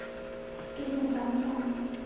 песня самый самый